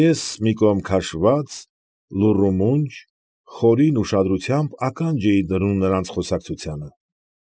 Ես, մի կողմ քաշված, լուռ ու մունջ, խորին ուշադրությամբ ականջ էի դնում նրանց խոսակցությանը։